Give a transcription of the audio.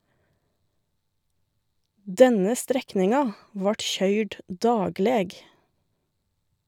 Denne strekninga vart køyrd dagleg.